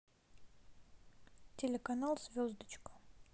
телеканал звездочка